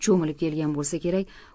cho'milib kelgan bo'lsa kerak